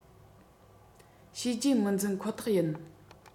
བྱས རྗེས མི འཛིན ཁོ ཐག ཡིན